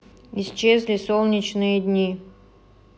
исчезли солнечные дни